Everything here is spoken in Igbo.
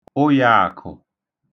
ụyāàkụ̀